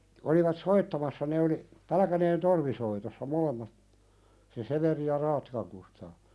olivat soittamassa ne oli Pälkäneen torvisoitossa molemmat se Severi ja Raattikan Kustaa